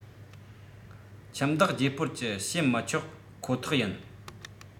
ཁྱིམ བདག བརྗེ སྤོར གྱི བྱེད མི ཆོག ཁོ ཐག ཡིན